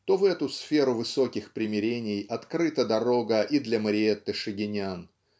то в эту сферу высоких примирений открыта дорога и для Мариэтты Шагинян